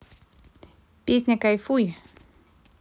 песня кайфуй